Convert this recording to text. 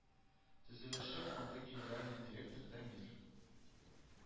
Төзелеше фонды генеральный директоры дамир